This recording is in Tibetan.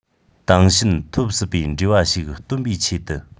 དེང ཕྱིན ཐོབ སྲིད པའི འགྲེལ བ ཞིག སྟོན པའི ཆེད དུ